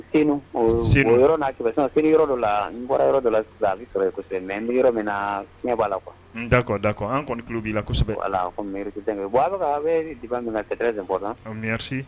Yɔrɔ yɔrɔ dɔ la bɔra yɔrɔ dɔ la sisan yɔrɔ min'a la da da b' bon ala minɛ bɔn